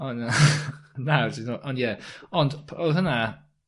O na! ond ie. Ond p- odd hwnna